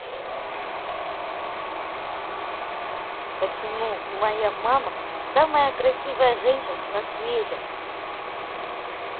почему моя мама самая красивая женщина на свете